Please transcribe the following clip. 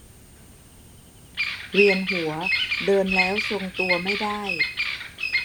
เวียนหัวเดินแล้วทรงตัวไม่ได้